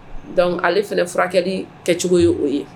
Dɔnku ale fana furakɛkɛ ni kɛcogo ye o ye